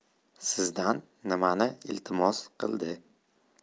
sizdan nimani iltimos qildi